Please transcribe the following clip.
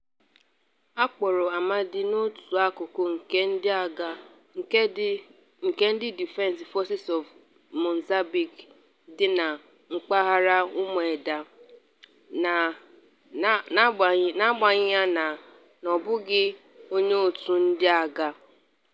A kpọgara Amade n'otu akụkụ nke ndị agha nke ndị Defense Forces of Mozambique dị na mpaghara Mueda, n'agbanyeghị na ọ bụghị onye òtù ndị agha.